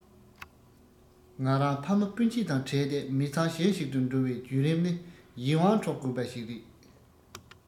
ང རང ཕ མ སྤུན ཆེད དང བྲལ ཏེ མི ཚང གཞན ཞིག ཏུ འགྲོ བའི བརྒྱུད རིམ ནི ཡིད དབང འཕྲོག དགོས པ ཞིག རེད